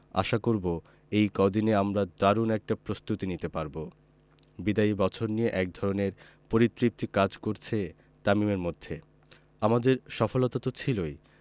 আশা করব এই কদিনে আমরা দারুণ একটা প্রস্তুতি নিতে পারব বিদায়ী বছর নিয়ে একধরনের পরিতৃপ্তি কাজ করছে তামিমের মধ্যে আমাদের সফলতা তো ছিলই